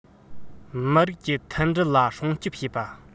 མི རིགས ཀྱི མཐུན སྒྲིལ ལ སྲུང སྐྱོབ བྱེད པ